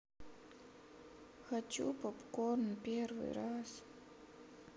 хочу поп корн первый раз